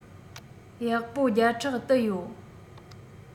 ཡག པོ བརྒྱ ཕྲག དུ ཡོད